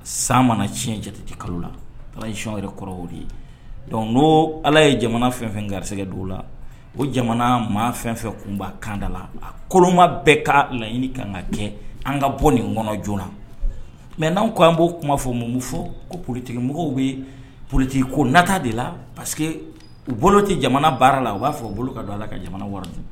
San mana tiɲɛ jatigi kalo la alacɔn yɛrɛ kɔrɔw de ye n'o ala ye jamana fɛn fɛn garisɛgɛ don la o jamana maa fɛn fɛn kun b'a kanda la a kolonma bɛɛ ka laɲini ka ka kɛ an ka bɔ nin kɔnɔ joona na mɛ n' ko an b'o kuma fɔ mun fɔ ko porotigimɔgɔw bɛ porotigi ko nata de la parce que u bolo tɛ jamana baara la u b'a fɔ u bolo ka don ala ka jamana wara